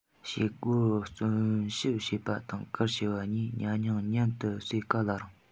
བྱེད སྒོར བརྩོན ཞིབ བྱེད པ དང དཀར ཞེས པ གཉིས ཉ ཉུང མཉམ དུ བསྲེས ག ལ རུང